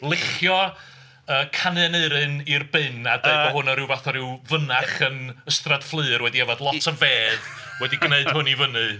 Luchio yy canu Aneurin i'r bin... yy. ...a deud bod hwn yn ryw fath o ryw fynach yn Ystrad Fflur? Wedi yfed lot -i o fedd , wedi gwneud hwn i fyny.